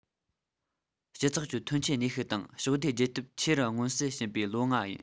སྤྱི ཚོགས ཀྱི ཐོན སྐྱེད ནུས ཤུགས དང ཕྱོགས བསྡུས རྒྱལ སྟོབས ཆེ རུ མངོན གསལ ཕྱིན པའི ལོ ལྔ ཡིན